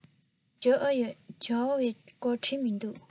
འབྱོར ཨེ ཡོད འབྱོར བའི སྐོར བྲིས མི འདུག